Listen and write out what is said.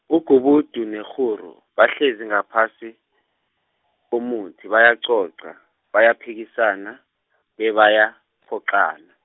ugubudu nekghuru, bahlezi ngaphasi, komuthi bayacoca, bayaphikisana, bebayaphoqana.